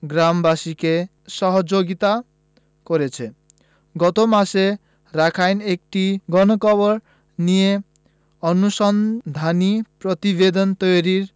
গ্রামবাসীকে সহযোগিতা করেছে গত মাসে রাখাইনে একটি গণকবর নিয়ে অনুসন্ধানী প্রতিবেদন তৈরির